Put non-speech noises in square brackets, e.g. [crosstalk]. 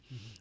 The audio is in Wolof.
[hesitation] [hesitation]